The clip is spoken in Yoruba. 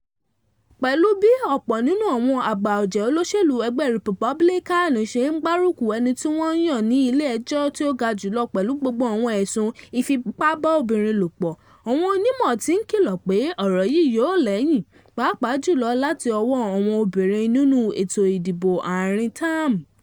Pẹ̀lú bí ọ̀pọ̀ nínú àwọn àgbà ọ̀jẹ̀ olóṣèlú ẹgbẹ́ republican ṣe ń gbárùkù ẹni tí wọ́n yàn ní ilé ẹjọ́ tí ó ga jù lọ pẹ̀lú gbogbo àwọn ẹ̀sùn ìfipábóbìnrin lòpọ̀, àwọn onímọ̀ tí ń kìlọ̀ pé ọ̀rọ̀ yìí yóò lẹ́yìn pàápàá jùlọ láti ọwọ́ àwọn obìnrin nínú ètò ìdìbò áàrin táàmù.